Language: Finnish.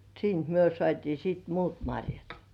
siitä me saatiin sitten muut marjat